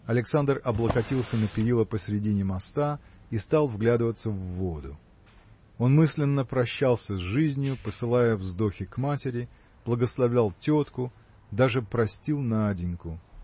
Александр облокотился на перила посредине моста и стал вглядываться в воду. Он мысленно прощался с жизнию посылал вздохи к матери благословлял тетку даже простил Наденьку.